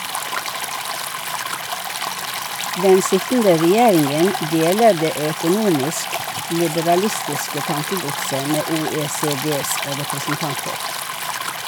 Den sittende regjeringen deler det økonomisk liberalistiske tankegodset med OECDs representanter.